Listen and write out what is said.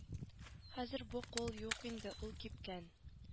Хәзер бу күл юк инде ул кипкән